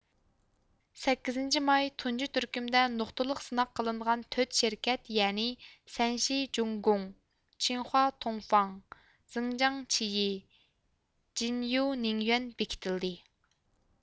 سەككىزىنچى ماي تۇنجى تۈركۈمدە نۇقتىلىق سىناق قىلىنىدىغان تۆت شىركەت يەنى سەنشى جوڭگوڭ چىڭخۇا توڭفاڭ زىجياڭ چيې جىننيۇۋ نېڭيۈەن بېكىتىلدى